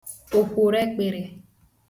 òkwòrò ekpị̀rị